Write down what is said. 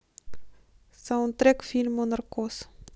саундтрек к фильму наркоз